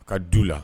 Ka du la